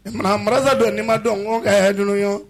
Mara masasa don'i ma dɔn ko ka hɛrɛd ye